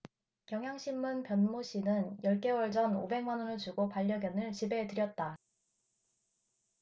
경향신문 변모씨는 열 개월 전 오백 만원을 주고 반려견을 집에 들였다